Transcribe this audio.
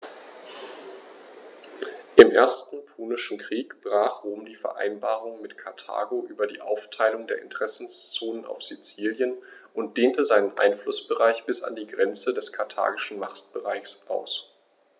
Im Ersten Punischen Krieg brach Rom die Vereinbarung mit Karthago über die Aufteilung der Interessenzonen auf Sizilien und dehnte seinen Einflussbereich bis an die Grenze des karthagischen Machtbereichs aus.